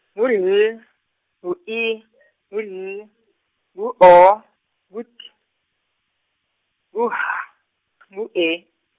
ngu L, ngu I , ngu N , ngu O, ngu T, ngu H , ngu E.